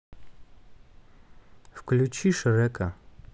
включи шрека